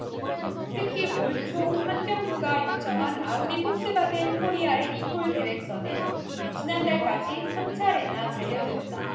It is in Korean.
특히 올초 환경부가 요청한 아우디폭스바겐코리아의 리콜 계획서는 지난달까지 삼 차례나 반려됐다